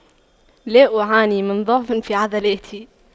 لا أعاني من ضعف في عضلاتي